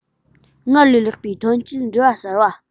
སྔར ལས ལེགས པའི ཐོན སྐྱེད འབྲེལ བ གསར པ